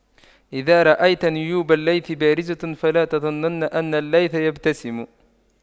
إذا رأيت نيوب الليث بارزة فلا تظنن أن الليث يبتسم